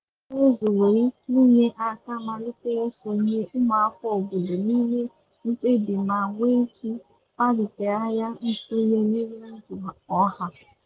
Teknụzụ nwere ike inye aka malite nsonye ụmụafọ obodo n'ime mkpebi ma nwee ike kpalitegharia nsonye n'ime ndụ ọha.